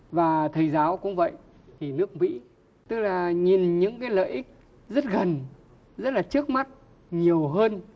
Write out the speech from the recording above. và thầy giáo cũng vậy thì nước mỹ tức là nhìn những cái lợi ích rất gần rất là trước mắt nhiều hơn